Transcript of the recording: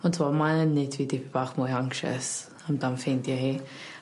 Ond t'mo mae yn neud fi dipyn bach mwy o anxious amdan ffeindio hi.